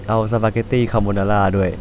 เอาสปาเก็ตตี้คาโบนาร่าด้วย